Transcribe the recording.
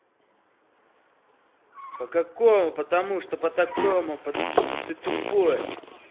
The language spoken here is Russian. по какому потому что по такому что ты тупой